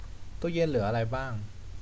ตู้เย็นเหลืออะไรบ้าง